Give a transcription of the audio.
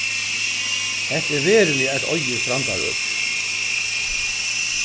hetta er veruliga eitt oyðið strandarøki